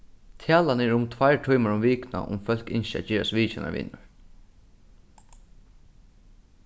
talan er um tveir tímar um vikuna um fólk ynskja at gerast vitjanarvinur